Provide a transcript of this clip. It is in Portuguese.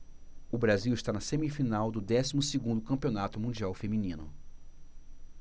o brasil está na semifinal do décimo segundo campeonato mundial feminino